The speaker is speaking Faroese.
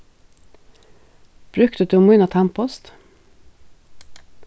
brúkti tú mína tannbust